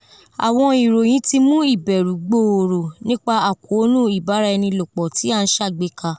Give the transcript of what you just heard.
Awọn irohin ti mu ibẹru gbooro nipa akoonu ibara-ẹni-lopọ ti a n ṣagbeka